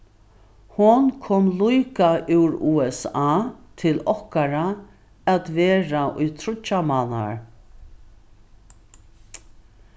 hon kom líka úr usa til okkara at vera í tríggjar mánaðar